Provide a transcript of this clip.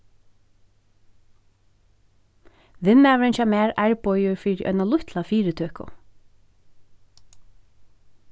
vinmaðurin hjá mær arbeiðir fyri eina lítla fyritøku